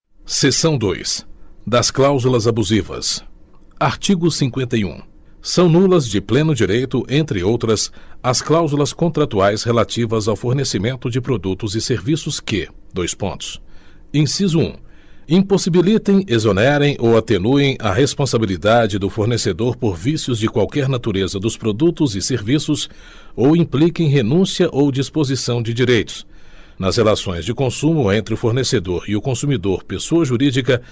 seção dois das cláusulas abusivas artigo cinquenta e um são nulas de pleno direito entre outras as cláusulas contratuais relativas ao fornecimento de produtos e serviços que dois pontos inciso um impossibilitem exonerem ou atenuem a responsabilidade do fornecedor por vícios de qualquer natureza dos produtos e serviços ou impliquem renúncia ou disposição de direitos nas relações de consumo entre o fornecedor e o consumidor pessoa jurídica